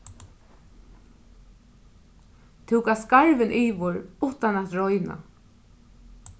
tú gavst skarvin yvir uttan at royna